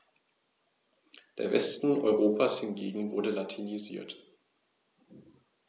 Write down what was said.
Der Westen Europas hingegen wurde latinisiert.